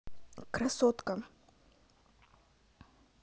красотка